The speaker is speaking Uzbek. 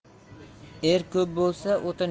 er ko'p bo'lsa o'tin